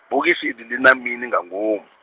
bogisi iḽi lina mini nga ngomu?